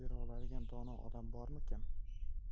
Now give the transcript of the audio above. bera oladigan dono odam bormikin